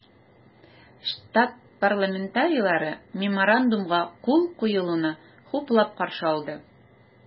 Штат парламентарийлары Меморандумга кул куелуны хуплап каршы алды.